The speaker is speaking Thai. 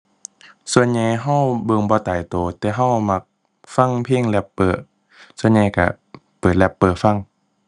ส่วนใหญ่เราเบิ่งบ่ตายเรา แต่เรามักฟังเพลง rapper ส่วนใหญ่เราเปิด rapper ฟัง